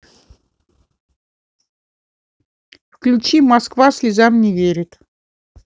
включи москва слезам не верит